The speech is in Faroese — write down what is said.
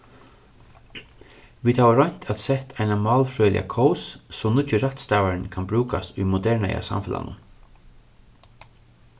vit hava roynt at sett eina málfrøðiliga kós so nýggi rættstavarin kann brúkast í modernaða samfelagnum